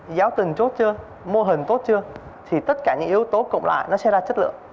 giáo trình tốt chưa mô hình tốt chưa thì tất cả những yếu tố cộng lại nó sẽ ra chất lượng